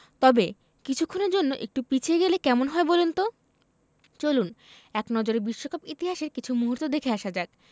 তবে কিছুক্ষণের জন্য একটু পিছিয়ে গেলে কেমন হয় বলুন তো চলুন এক নজরে বিশ্বকাপ ইতিহাসের কিছু মুহূর্ত দেখে আসা যাক